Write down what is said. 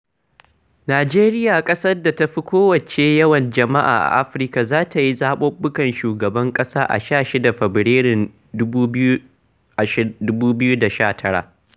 Najeriya, ƙasar da ta fi kowacce yawan jama'a a Afirka, za ta yi zaɓuɓɓukan shugaban ƙasa a 16, Fabarairun 2019.